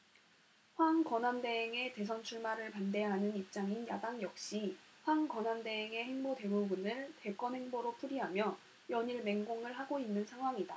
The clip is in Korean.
황 권한대행의 대선 출마를 반대하는 입장인 야당 역시 황 권한대행의 행보 대부분을 대권행보로 풀이하며 연일 맹공을 하고 있는 상황이다